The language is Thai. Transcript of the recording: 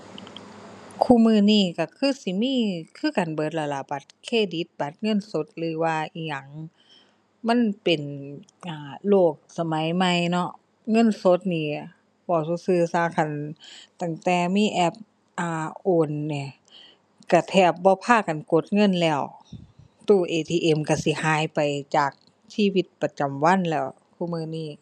คุมื้อนี้ก็คือสิมีคือกันเบิดแล้วล่ะ บัตรเครดิต บัตรเงินสด หรือว่าอิหยัง มันเป็น อ่า โลกสมัยใหม่เนาะ เงินสดนี่เว้าซื่อซื่อซะ คันตั้งแต่มีแอป อ่า โอนนี่ก็แทบบ่พากันกดเงินแล้ว ตู้ ATM ก็สิหายไปจากชีวิตประจำวันแล้วคุมื้อนี้